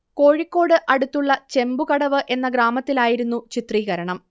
കോഴിക്കോട് അടുത്തുള്ള ചെമ്പുകടവ് എന്ന ഗ്രാമത്തിലായിരുന്നു ചിത്രീകരണം